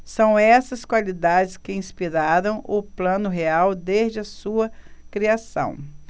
são essas qualidades que inspiraram o plano real desde a sua criação